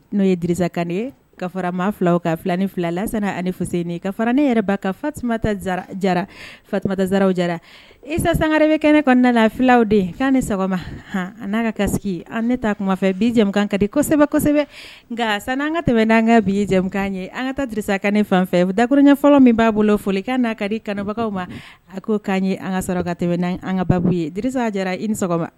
N'o ye dsa kan ye ka fara maa filaw ka filan ni fila la san ani fusen ka fara ne yɛrɛba ka fatuma tɛ jara fattuma tɛ zraw jara isa sangare bɛ kɛnɛ ne kɔnɔna fulaw de' ni sɔgɔma h an n'a ka kasisigi an ne taa kuma fɛ bijakan ka di kosɛbɛ nka san an ka tɛmɛ n' an ka bi yejakan ye an ka ta drisakan fanfɛ dakurunɲɛ fɔlɔ min b'a bolo foli k' n'a ka di kanbagaw ma a ko k' ye an ka sɔrɔ ka tɛmɛ n' an ka baabu ye dsa jara i ni sɔgɔma